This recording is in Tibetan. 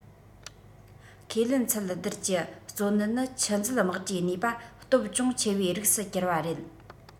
ཁས ལེན ཚད བསྡུར གྱི གཙོ གནད ནི ཆུ འཛུལ དམག གྲུའི ནུས པ སྟོབས ཅུང ཆེ བའི རིགས སུ གྱུར བ རེད